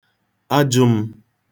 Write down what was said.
ajụ̄m̄